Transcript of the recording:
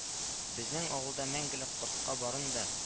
Безнең авылда мәңгелек кортка барын да